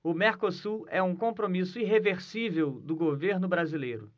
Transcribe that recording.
o mercosul é um compromisso irreversível do governo brasileiro